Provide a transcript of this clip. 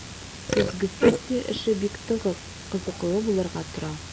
Көзге сессия эше бик тыгыз, кызыклы булырга тора.